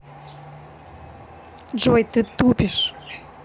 джой ты тупишь